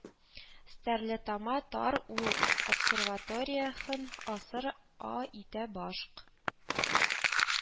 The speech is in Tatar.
Стәрлетама тар ү обсерватория һын асыр а итә башк